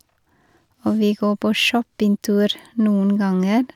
Og vi gå på shoppingtur noen ganger.